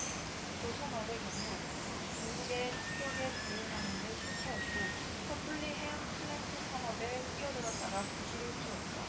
조선업의 경우 중국의 추격에 대응하는 데 실패했고 섣불리 해양플랜트 산업에 뛰어들었다가 부실을 키웠다